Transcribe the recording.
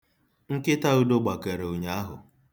Ntịka Udo gbakere ụnyaahụ.